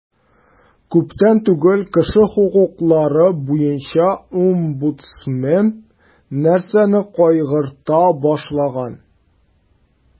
Күптән түгел кеше хокуклары буенча омбудсмен нәрсәне кайгырта башлаган?